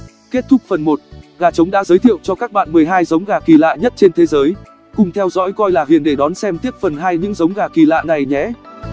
kết thúc phần gà trống đã giới thiệu cho các bạn giống gà kỳ lạ nhất trên thế giới cùng theo dõi coi là ghiền để đón xem tiếp phần những giống gà ky lạ này nhé